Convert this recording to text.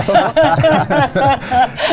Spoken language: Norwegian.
.